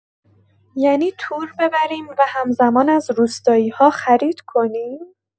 یعنی تور ببریم و هم‌زمان از روستایی‌ها خرید کنیم؟